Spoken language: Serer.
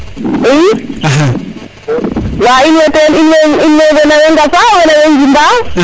i wa in way ten wene wey ngasa wene way njima